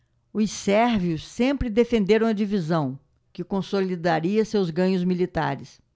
os sérvios sempre defenderam a divisão que consolidaria seus ganhos militares